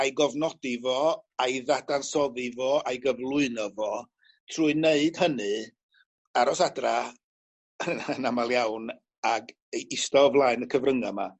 a'i gofnodi fo a'i ddadansoddi fo a'i gyflwyno fo trwy wneud hynny aros adra yn yn amal iawn ag ei- ista o flaen y cyfrynga 'ma.